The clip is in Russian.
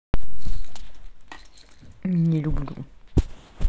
не люблю